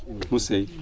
mu seey